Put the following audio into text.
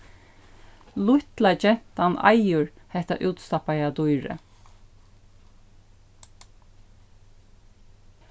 lítla gentan eigur hetta útstappaða dýrið